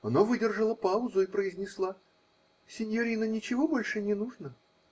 Она выдержала паузу и произнесла: -- Синьорино ничего больше не нужно?